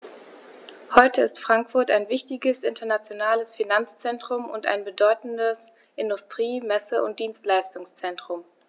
Heute ist Frankfurt ein wichtiges, internationales Finanzzentrum und ein bedeutendes Industrie-, Messe- und Dienstleistungszentrum.